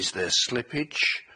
Is there slippage?